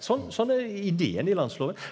sånn sånn er ideen i landsloven.